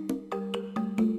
I